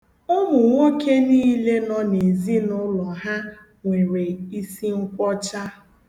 Ụmụnwoke niile nọ n'ezinụụlọ ha nwere isi nkwọcha.